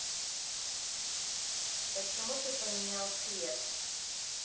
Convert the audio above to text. почему ты поменял цвет